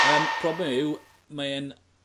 yym problem yw mae e'n